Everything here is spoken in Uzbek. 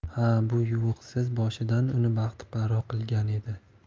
ha bu yuvuqsiz boshidan uni baxtiqaro qilgan edi